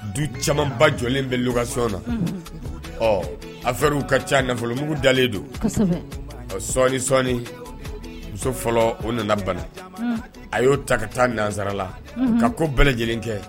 Du camanba jɔlen bɛ lukay na ɔ a fɛr y'u ka ca nafolougu dalenlen don ɔ sɔɔni sɔi muso fɔlɔ o nana bana a y'o ta ka taa nansarala ka ko bɛɛ lajɛlen kɛ